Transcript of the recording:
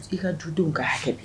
I ka dudenw ka hakɛ.